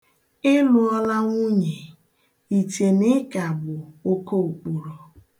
Ịlụọla nwunye, iche na ị ka bụ okookporo.